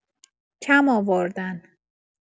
کم آوردن